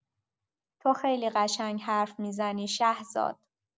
تو خیلی قشنگ حرف می‌زنی شهرزاد.